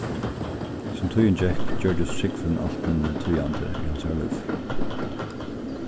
sum tíðin gekk gjørdist trúgvin alt minni týðandi í hansara lívi